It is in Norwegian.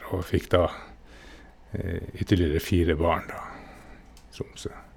Og fikk da ytterligere fire barn, da, i Tromsø.